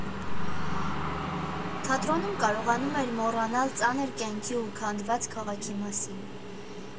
Թատրոնում կարողանում էր մոռանալ ծանր կյանքի ու քանդված քաղաքի մասին։